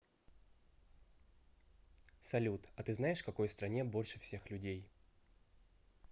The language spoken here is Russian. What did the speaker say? салют а ты знаешь в какой стране больше всех людей